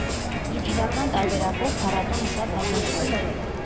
Իր իրական տարբերակով փառատոնը շատ բազմաշերտ է։